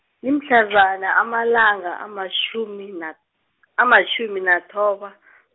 limhlazana amalanga amatjhumi na- amatjhumi nathoba .